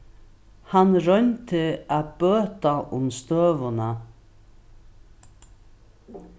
hann royndi at bøta um støðuna